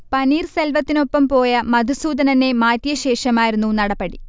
പനീർസെൽവത്തിനൊപ്പം പോയ മധുസൂദനനെ മാറ്റിയ ശേഷമായിരുന്നു നടപടി